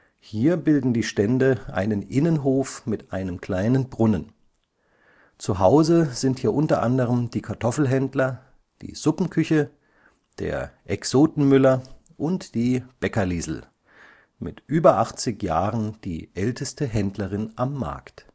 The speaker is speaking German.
Hier bilden die Stände einen Innenhof mit einem kleinen Brunnen. Zuhause sind hier unter anderem die Kartoffelhändler, die „ Suppenküche “, der „ Exoten Müller “und die „ Bäckerliesl “, mit über 80 Jahren die älteste Händlerin am Markt